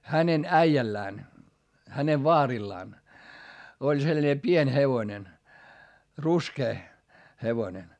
hänen äijällään hänen vaarillaan oli sellainen pieni hevonen ruskea hevonen